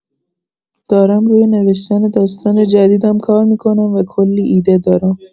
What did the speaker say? دارم روی نوشتن داستان جدیدم کار می‌کنم و کلی ایده دارم.